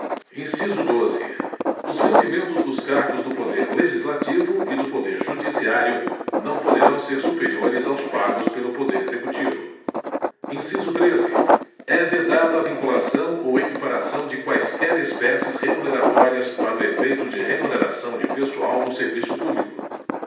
inciso doze os vencimentos dos cargos do poder legislativo e do poder judiciário não poderão ser superiores aos pagos pelo poder executivo inciso treze é vedada a vinculação ou equiparação de quaisquer espécies remuneratórias para o efeito de remuneração de pessoal do serviço público